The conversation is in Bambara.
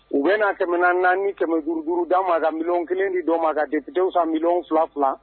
U bɛna naa tɛmɛɛna na ni kɛmɛguruuruda magal kelen de dɔ maga jatete san mil fila fila